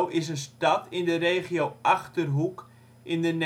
is een stad in de regio Achterhoek in de